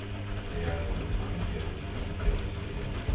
реальные пацаны первый сезон первая серия